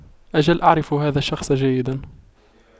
أجل أعرف هذا الشخص جيدا